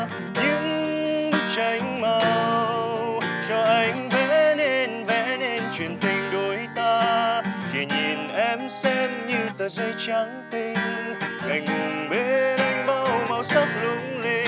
những bức tranh màu cho anh vẽ nên vẽ nên chuyện tình đôi ta kìa nhìn em xem như tờ giấy trắng tinh ngại ngùng bên anh bao màu sắc lung linh